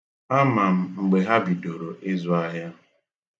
Ama m mgbe ha bidoro ịzụ ahịa.